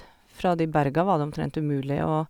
Fra de berga var det omtrent umulig å...